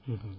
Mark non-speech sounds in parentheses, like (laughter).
(hesitation) (hesitation)